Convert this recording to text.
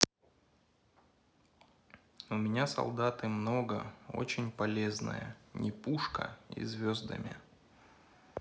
у меня солдаты много очень полезная не пушка и звездами